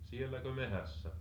sielläkö metsässä